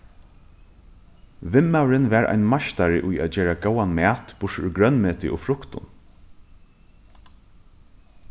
vinmaðurin var ein meistari í at gera góðan mat burtur úr grønmeti og fruktum